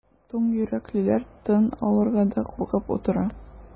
Туң йөрәклеләр тын алырга да куркып утыра.